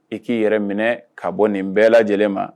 I k'i yɛrɛ minɛ ka bɔ nin bɛɛ lajɛlen ma